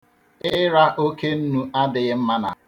Ịra oke nnụ adịghị mma n'àhụ.